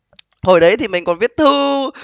hồi đấy thì mình còn viết thư